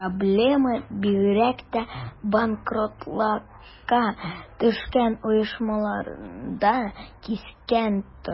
Проблема бигрәк тә банкротлыкка төшкән оешмаларда кискен тора.